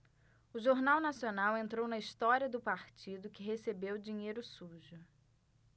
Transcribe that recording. o jornal nacional entrou na história do partido que recebeu dinheiro sujo